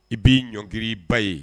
I b'i ɲɔngki i ba ye